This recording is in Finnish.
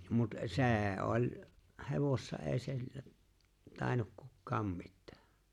mutta se oli hevosessa ei - tainnut kukaan mitään